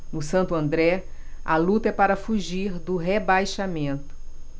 no santo andré a luta é para fugir do rebaixamento